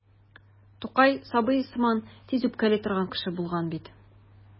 Тукай сабый сыман тиз үпкәли торган кеше булган бит.